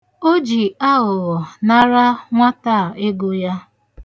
O ji aghụghọ nara nwata a ego ya.